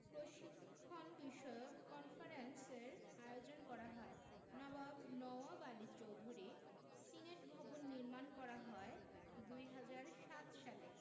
প্রশিক্ষণ বিষয়ক কনফারেন্সের আয়োজন করা হয় নবাব নওয়াব আলী চৌধুরী সিনেটভবন নির্মাণ করা হয় ২০০৭ সালে